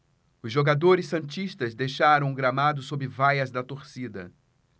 os jogadores santistas deixaram o gramado sob vaias da torcida